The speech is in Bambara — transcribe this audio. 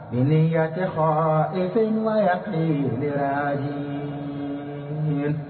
Miniyan tɛ h ese ɲumanya tile la ye